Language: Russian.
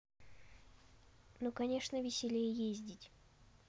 ну конечно веселее ездить